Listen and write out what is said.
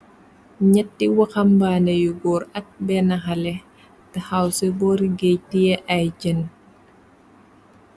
Nyatti waxambaané yu góor, ak benna xalé, taxaw se boori géj tiye ay jën.